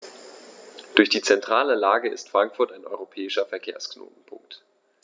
Durch die zentrale Lage ist Frankfurt ein europäischer Verkehrsknotenpunkt.